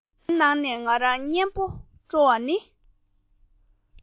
དེའི ནང ནས ང རང ཉན པ སྤྲོ བ ནི